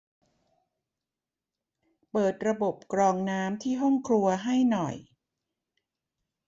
เปิดระบบกรองน้ำที่ห้องครัวให้หน่อย